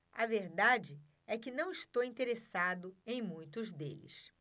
a verdade é que não estou interessado em muitos deles